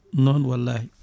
noon wallahi